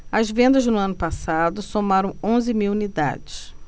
as vendas no ano passado somaram onze mil unidades